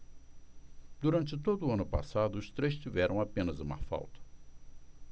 durante todo o ano passado os três tiveram apenas uma falta